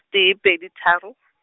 tee pedi tharo .